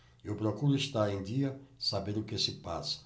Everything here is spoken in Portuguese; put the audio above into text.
eu procuro estar em dia saber o que se passa